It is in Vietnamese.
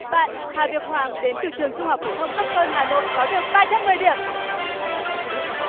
bạn hà việt hoàng đến từ trường trung học phổ thông sóc sơn hà nội có được ba trăm mười điểm